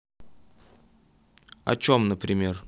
о чем например